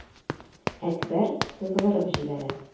Әкбәр сызгырып җибәрә.